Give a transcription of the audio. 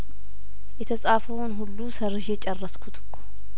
የተጻፈውን ሁሉ ሰርዤ ጨረስኩት እኮ